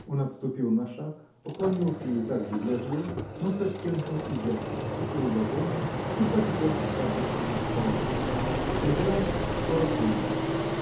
он отступил на шаг, поклонился ей так же вежливо, но с оттенком изящества и уважения, и подсел к карточному столу. Преферанс скоро кончился.